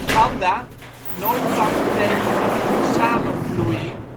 Ganda nooit kan betekenen samenvloeiing